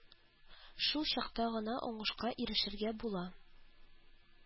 Шул чакта гына уңышка ирешергә була